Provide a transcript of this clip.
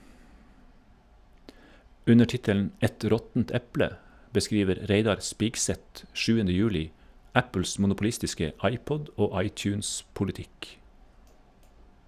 Under tittelen "Et råttent eple" beskriver Reidar Spigseth 7. juli Apples monopolistiske iPod- og iTunes-politikk.